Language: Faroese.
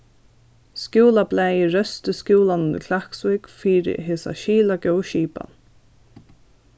skúlablaðið rósti skúlanum í klaksvík fyri hesa skilagóðu skipan